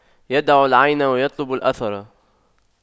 يدع العين ويطلب الأثر